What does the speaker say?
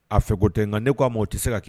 A fɛ ko tɛ nka ne k'a ma o tɛ se ka kɛ